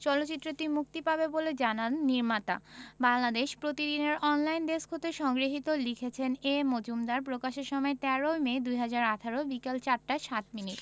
চলচ্চিত্রটি মুক্তি পাবে বলে জানান নির্মাতা বাংলাদেশ প্রতিদিন এর অনলাইন ডেস্ক হতে সংগৃহীত লিখেছেনঃ এ মজুমদার প্রকাশের সময় ১৩মে ২০১৮ বিকেল ৪ টা ০৭ মিনিট